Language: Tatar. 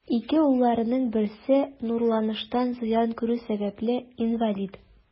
Ике улларының берсе нурланыштан зыян күрү сәбәпле, инвалид.